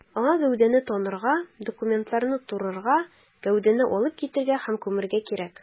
Аңа гәүдәне танырга, документларны турырга, гәүдәне алып китәргә һәм күмәргә кирәк.